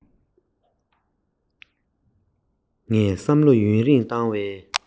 ངས བསམ བློ ཡུན རིང བཏང བའི